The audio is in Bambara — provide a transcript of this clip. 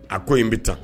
A ko in bɛ tan